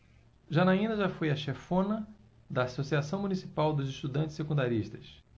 janaina foi chefona da ames associação municipal dos estudantes secundaristas